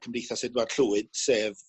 Cymdeithas Edward Llwyd sef